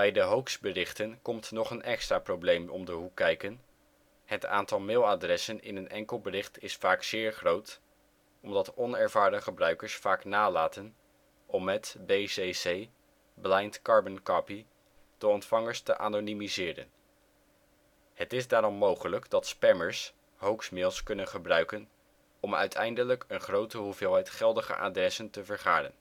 de hoax-berichten komt nog een extra probleem om de hoek kijken: het aantal mailadressen in een enkel bericht is vaak zeer groot, omdat onervaren gebruikers vaak nalaten om met blind carbon copy (BCC) de ontvangers te anonimiseren. Het is daarom mogelijk dat spammers hoax-mails kunnen gebruiken om uiteindelijk een grote hoeveelheid geldige adressen te vergaren